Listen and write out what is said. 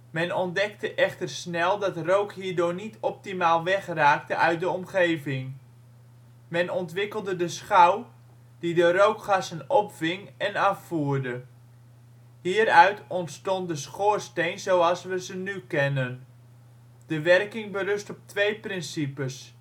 Men ontdekte echter snel dat rook hierdoor niet optimaal weg raakte uit de omgeving. Men ontwikkelde de schouw, die de rookgassen opving en afvoerde. Hieruit ontstond de schoorsteen zoals we ze nu kennen; de werking berust op twee principes